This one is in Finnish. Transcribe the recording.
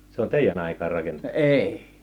se on teidän aikaan rakennettu